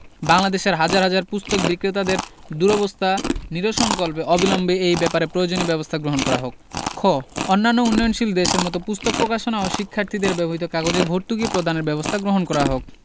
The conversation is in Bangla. বাংলাদেশের হাজার হাজার পুস্তক বিক্রেতাদের দুরবস্থা নিরসনকল্পে অবিলম্বে এই ব্যাপারে প্রয়োজনীয় ব্যাবস্থা গ্রহণ করা হোক খ অন্যান্য উন্নয়নশীল দেশের মত পুস্তক প্রকাশনা ও শিক্ষার্থীদের ব্যবহৃত কাগজে ভর্তুকি প্রদানের ব্যবস্থা গ্রহণ করা হোক